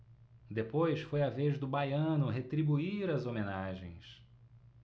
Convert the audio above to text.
depois foi a vez do baiano retribuir as homenagens